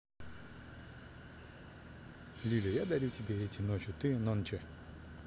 lily я дарю тебе эти ночи ты нонче